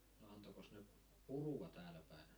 no antoikos ne purua täälläpäin